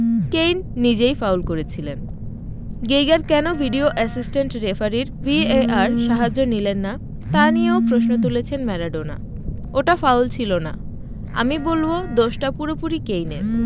Kane নিজেই foul করেছিলেন Geiger কেন ভিডিও অ্যাসিস্ট্যান্ট রেফারির ভিএআর সাহায্য নিলেন না তা নিয়েও প্রশ্ন তুলেছেন ম্যারাডোনা ওটা ফাউল ছিল না আমি বলব দোষটা পুরোপুরি কেইনের